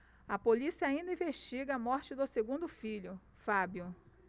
a polícia ainda investiga a morte do segundo filho fábio